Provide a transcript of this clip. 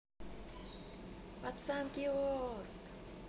пацанки ост